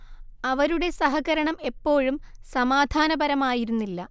അവരുടെ സഹകരണം എപ്പോഴും സമാധാനപരമായിരുന്നില്ല